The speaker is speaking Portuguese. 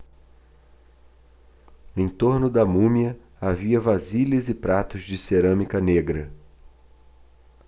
em torno da múmia havia vasilhas e pratos de cerâmica negra